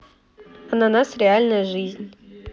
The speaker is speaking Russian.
ананас реальная жизнь